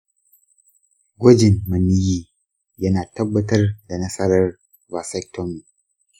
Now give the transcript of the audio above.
gwajin maniyyi yana tabbatar da nasarar vasectomy.